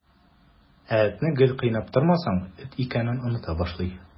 Ә этне гел кыйнап тормасаң, эт икәнен оныта башлый.